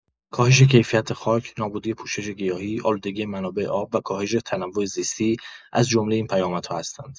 کاهش کیفیت خاک، نابودی پوشش گیاهی، آلودگی منابع آب و کاهش تنوع زیستی از جمله این پیامدها هستند.